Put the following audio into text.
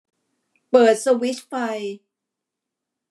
เปิดสวิตช์ไฟ